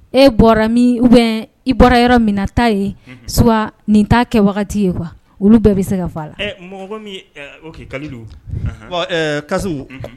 E bɔra min ou bien i bɔra yɔrɔ minna ta yen, unhun, soit nin t'a kɛ waati ye quoi olu bɛɛ bɛ se ka fɔ a la, ɛ mɔgɔ comme ɛ ok Kalilu, anhan, bon ɛɛ Kasimu, unhun.